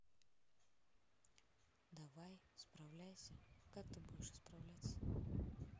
давай справляйся как ты будешь исправляться